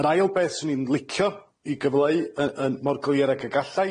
Yr ail beth 'swn i'n licio 'i gyfleu yy yn mor glir ag y galla i